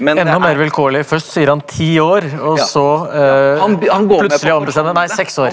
enda mer vilkårlig først sier han ti år og så plutselig ombestemmer han nei seks år.